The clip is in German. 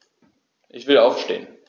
Ich will aufstehen.